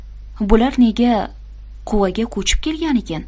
bu lar nega quvaga ko'chib kelganikin